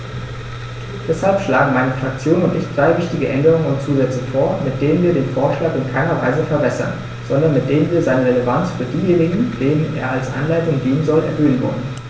Deshalb schlagen meine Fraktion und ich drei wichtige Änderungen und Zusätze vor, mit denen wir den Vorschlag in keiner Weise verwässern, sondern mit denen wir seine Relevanz für diejenigen, denen er als Anleitung dienen soll, erhöhen wollen.